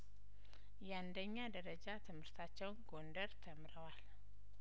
ያንደኛ ደረጃ ትምህርታቸውን ጐንደር ተምረዋል